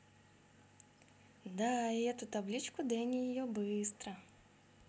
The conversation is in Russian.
да и эту табличку danny ее быстро